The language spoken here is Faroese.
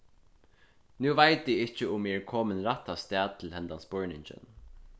nú veit eg ikki um eg eri komin rætta stað til hendan spurningin